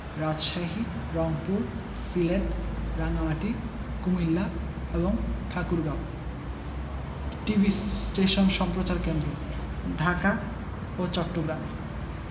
রাজশাহী রংপুর সিলেট রাঙ্গামাটি কুমিল্লা এবং Thakurgaon TV station সম্প্রচার কেন্দ্রঃ ঢাকা ও চট্টগ্রাম